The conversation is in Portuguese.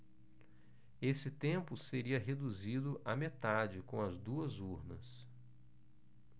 esse tempo seria reduzido à metade com as duas urnas